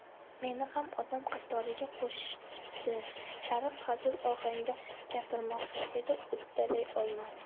meni ham odam qatoriga qo'shishibdi sharif hazil ohangida gapirmoqchi edi uddalay olmadi